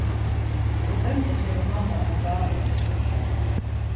eg gloymdi at keypa mammu eina gávu